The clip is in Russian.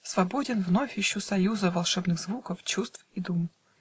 Свободен, вновь ищу союза Волшебных звуков, чувств и дум